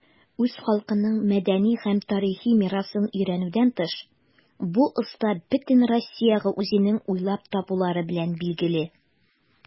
Үз халкының мәдәни һәм тарихи мирасын өйрәнүдән тыш, бу оста бөтен Россиягә үзенең уйлап табулары белән билгеле.